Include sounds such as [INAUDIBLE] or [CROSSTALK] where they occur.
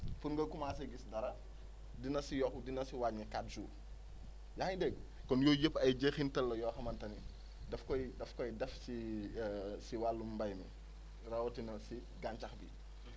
pour nga commencer gis dara dina si yokk dina si wàññi quatre jours yaa ngi dégg kon yooyu yëpp ay jeexintal la yoo xamante ni daf koy daf koy def si [HESITATION] si wàllum mbéy mi rawatina si gàncax gi